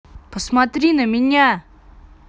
посмотри на меня